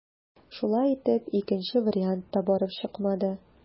Шулай итеп, икенче вариант та барып чыкмады.